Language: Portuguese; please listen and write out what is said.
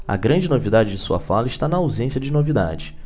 a grande novidade de sua fala está na ausência de novidades